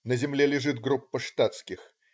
На земле лежит группа штатских.